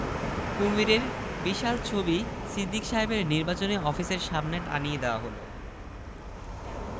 কুমিরের বিশাল ছবি সিদ্দিক সাহেবের নির্বাচনী অফিসের সামনে টানিয়ে দেয়া হল